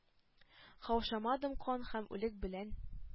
Каушамадым кан һәм үлек белән